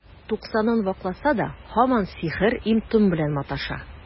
Туксанын вакласа да, һаман сихер, им-том белән маташа.